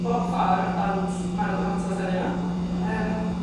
bob ffor ond ma' 'na domatos arnyn n'w. Ie. Yym.